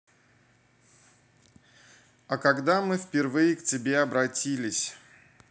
а когда мы впервые к тебе обратились